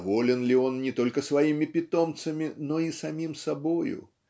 доволен ли он не только своими питомцами но и самим собою?